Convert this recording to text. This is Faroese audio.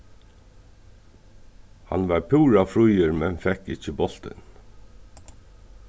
hann var púra fríur men fekk ikki bóltin